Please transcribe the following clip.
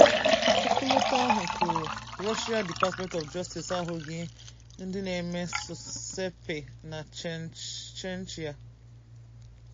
Ọkọlọtọ ahụ kwuru: RUSSIA'S DEPARTMENT OF JUSTICE ahụghị ndị na-eme susupe na CHECHNYA.